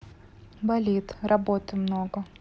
болит работы много было